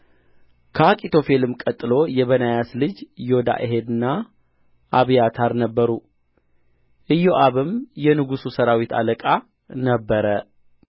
ከአኪጦፌልም ቀጥሎ የበናያስ ልጅ ዮዳሄና አብያታር ነበሩ ኢዮአብም የንጉሡ ሠራዊት አለቃ ነበረ